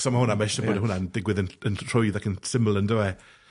So ma' hwnna ma' isie bod hwnna'n digwydd yn ll- yn rhwydd ac yn syml yndyw e?